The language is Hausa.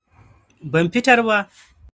Ban fitar ba.”